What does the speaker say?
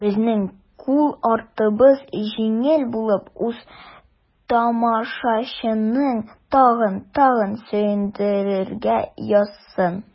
Безнең кул артыбыз җиңел булып, үз тамашачыңны тагын-тагын сөендерергә язсын.